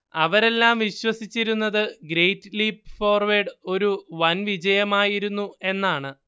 അവരെല്ലാം വിശ്വസിച്ചിരുന്നത് great leap forward ഒരു വൻ വിജയമായിരുന്നു എന്നാണ്